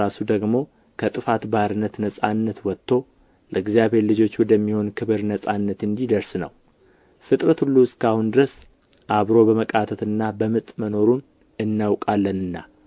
ራሱ ደግሞ ከጥፋት ባርነት ነፃነት ወጥቶ ለእግዚአብሔር ልጆች ወደሚሆን ክብር ነፃነት እንዲደርስ ነው ፍጥረት ሁሉ እስከ አሁን ድረስ አብሮ በመቃተትና በምጥ መኖሩን እናውቃለንና